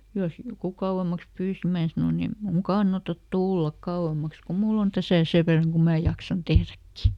jos joku kauemmaksi pyysi minä sanoin ei minun kannata tulla kauemmaksi kun minulla on tässä sen verran kuin minä jaksan tehdäkin